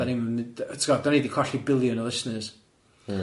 Da ni'm yn mynd yy ti'n gwbod da ni di colli biliwn o listeners mm.